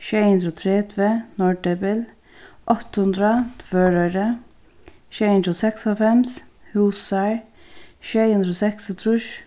sjey hundrað og tretivu norðdepil átta hundrað tvøroyri sjey hundrað og seksoghálvfems húsar sjey hundrað og seksogtrýss